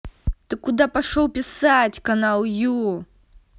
ты куда пошел писать канал ю